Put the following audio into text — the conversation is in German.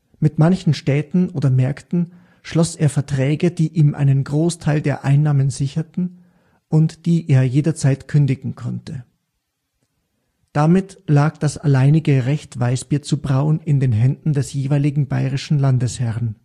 Mit manchen Städten oder Märkten schloss er Verträge, die ihm einen Großteil der Einnahmen sicherten und die er jederzeit kündigen konnte. Damit lag das alleinige Recht Weißbier zu brauen in den Händen des jeweiligen bayerischen Landesherrn